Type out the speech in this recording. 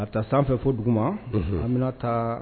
Ka taa sanfɛ fɔ dugu ma an bɛna taa